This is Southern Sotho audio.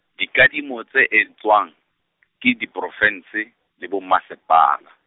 dikadimo tse e tswang, ke diprovinse, le bo Mmasepala.